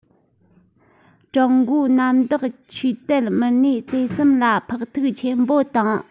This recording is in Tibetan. ཀྲུང གོའི གནམ བདག ཆོས དད མི སྣའི བརྩེ སེམས ལ ཕོག ཐུག ཆེན པོ བཏང